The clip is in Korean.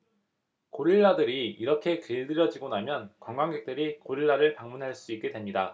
고릴라들이 이렇게 길들여지고 나면 관광객들이 고릴라를 방문할 수 있게 됩니다